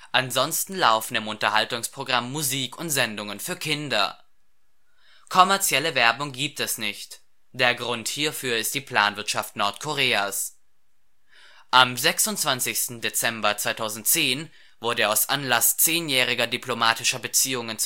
Ansonsten laufen im Unterhaltungsprogramm Musik und Sendungen für Kinder. Kommerzielle Werbung gibt es nicht, der Grund hierfür ist die Planwirtschaft Nordkoreas. Am 26. Dezember 2010 wurde aus Anlass zehnjähriger diplomatischer Beziehungen